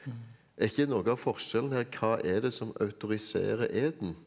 er ikke noe av forskjellen her hva er det som autoriserer eden?